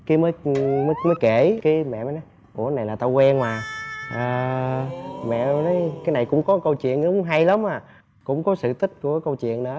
cái mới mới kể cái mẹ mới nói ủa này là t quen mà mẹ mới nói cái này cũng có câu chuyện cũng hay lắm à cũng có sự tích của câu chuyện đó